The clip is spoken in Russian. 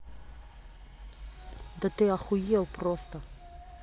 да ты ахуел просто